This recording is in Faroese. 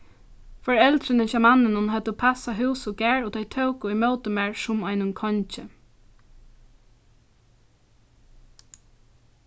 foreldrini hjá manninum høvdu passað hús og garð og tey tóku ímóti mær sum einum kongi